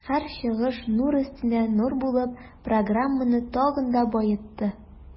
Һәр чыгыш нур өстенә нур булып, программаны тагын да баетты.